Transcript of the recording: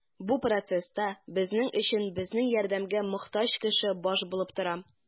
Бу процесста безнең өчен безнең ярдәмгә мохтаҗ кеше баш булып тора.